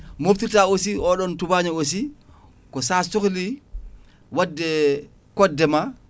moftirdta aussi oɗon tubño aussi ko sa sohli wadde kodde ma